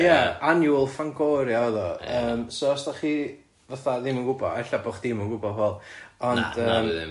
Ie annual Fangoria oedd o yym so os 'dach chi fatha ddim yn gwbod ella bo' chdi'm yn gwbod Hywel, ond yym... Na na dwi ddim